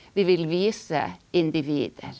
vi vil vise individer.